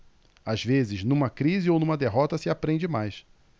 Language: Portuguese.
às vezes numa crise ou numa derrota se aprende mais